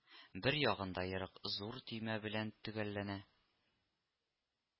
Бер ягындаерык зур төймә белән төгәлләнә